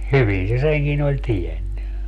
hyvin se senkin oli tiennyt